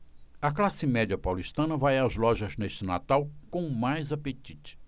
a classe média paulistana vai às lojas neste natal com mais apetite